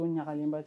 O ɲagalenba tɛ